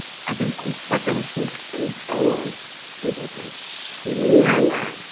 A dwi'n gwybod ym mhwll fy nghalon ei fod o'n swnio'n dda.